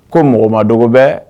Ko mɔgɔ ma dogo bɛ